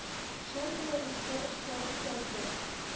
Шәм белән нечкә эштә бик җайсыз